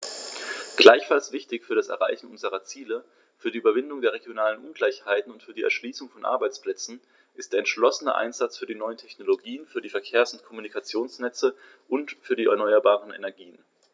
Gleichfalls wichtig für das Erreichen unserer Ziele, für die Überwindung der regionalen Ungleichheiten und für die Erschließung von Arbeitsplätzen ist der entschlossene Einsatz für die neuen Technologien, für die Verkehrs- und Kommunikationsnetze und für die erneuerbaren Energien.